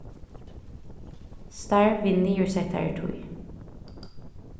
starv við niðursettari tíð